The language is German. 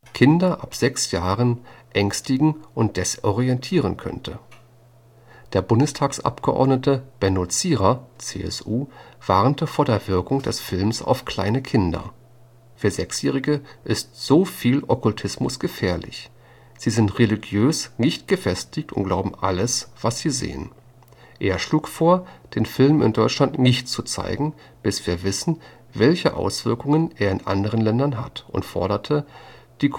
Kinder ab 6 Jahren ängstigen und desorientieren könne. “Der Bundestagsabgeordnete Benno Zierer (CSU) warnte vor der Wirkung des Films auf kleine Kinder: „ Für Sechsjährige ist so viel Okkultismus gefährlich. Sie sind religiös nicht gefestigt und glauben alles, was sie sehen. “Er schlug vor, „ den Film in Deutschland nicht zu zeigen, bis wir wissen, welche Auswirkungen er in anderen Ländern hat, “und forderte den